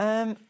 yym